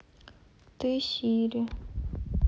ты сири